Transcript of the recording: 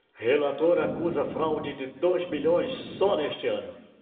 relator acusa fraude de dois bilhões só neste ano